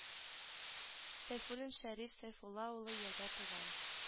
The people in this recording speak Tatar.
Сәйфуллин шәриф сәйфулла улы елда туган